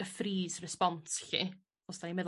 y freeze response 'lly os 'dan ni'n meddwl